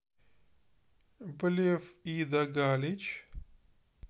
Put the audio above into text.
блеф ида галич